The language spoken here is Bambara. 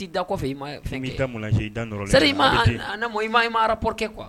Ti da cɔfɛ i ma fɛn min kɛ . c'est à dire en un mot i ma rapport kɛ quoi